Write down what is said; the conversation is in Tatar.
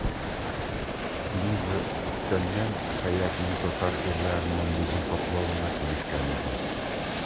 Лиза күптәннән Хәятның татар ирләреннән йөзен каплавына күнеккән иде.